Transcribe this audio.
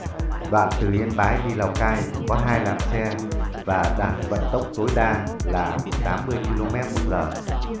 đoạn yên bái lào cai có làn xe và đạt vận tốc tối đa km h